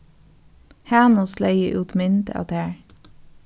hanus legði út mynd av tær